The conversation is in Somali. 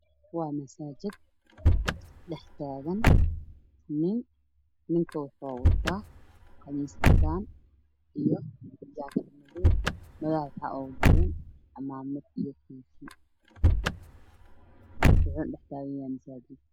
Waa masajid dhaxtagan nin ninka waxow wata qamis cadan io jakad madow ah io madax waxa ugu duuban amamad io koofi